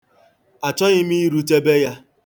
Achọghị m irute be ya.